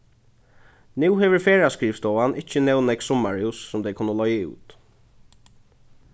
nú hevur ferðaskrivstovan ikki nóg nógv summarhús sum tey kunnu leiga út